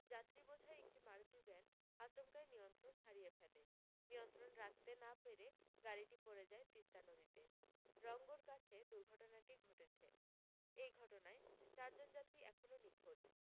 যাত্রীবোঝাই একটি মারুতি ভ্যান আচমকাই নিয়ন্ত্রণ হারিয়ে ফেলে নিয়ন্ত্রণ রাখতে না পেরে গাড়িটি পড়ে যায় তিস্তা নদীতে রংগোর কাছে দুর্ঘটনাটি ঘটেছে এই ঘটনায় চার জন যাত্রী এখনও নিখোঁজ